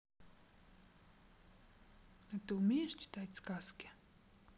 а ты умеешь читать сказки